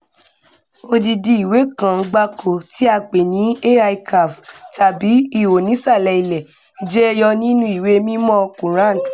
Odindin ìwé kan gbáko tí a pè ní "Al Kahf" tàbí "Ihò nísàlẹ̀ ilẹ̀ " jẹyọ nínúu ìwé mímọ́ọ Kuran.